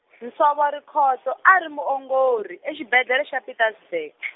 Nsovo Rikhotso a ri muongori exibedlele xa Pietersburg.